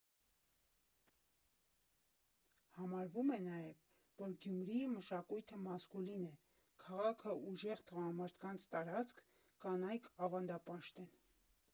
Համարվում է նաև, որ Գյումրիի մշակույթը մասկուլին է, քաղաքը՝ ուժեղ տղամարդկանց տարածք, կանայք ավանդապաշտ են։